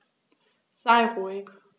Sei ruhig.